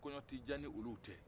kɔɲɔ tɛ diya n'olu tɛ